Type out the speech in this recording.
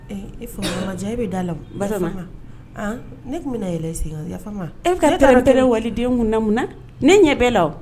Fajɛ e bɛ' la ne tun bɛna yɛlɛa e bɛ ne taara tɛ wali den kundamu na ne ɲɛ bɛɛ la